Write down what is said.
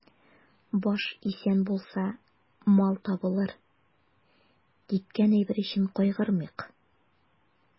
Баш исән булса, мал табылыр, киткән әйбер өчен кайгырмыйк.